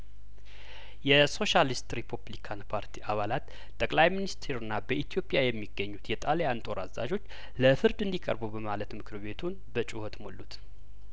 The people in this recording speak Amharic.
የሶሻሊስት ሪፐብሊካን ፓርቲ አባላት ጠቅላይ ሚኒስትሩና በኢትዮጵያ የሚገኙት የጣሊያን ጦር አዛዦች ለፍርድ እንዲቀርቡ በማለትምክር ቤቱን በጩኸት ሞሉት